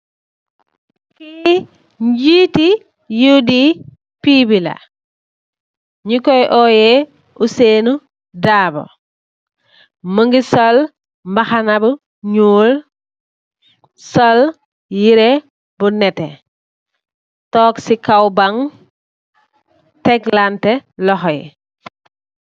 Ki ngeti UDP bi la nyukoi oyeh Ousainou Daboe mogi sol mbahana bu nuul sol yereh bu neteh tog si kaw baang teglanteh loxo yi.